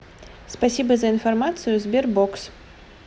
спасибо за информацию sberbox